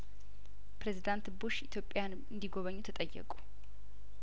ፕሬዚዳንት ቡሽ ኢትዮጵያን እንዲ ጐበኙ ተጠየቁ